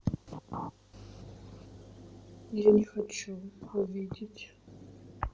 я не хочу увидеть